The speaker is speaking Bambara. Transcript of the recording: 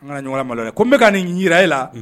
An ŋana ɲɔgɔn na maloya dɛ ko n be ka nin yira e la unh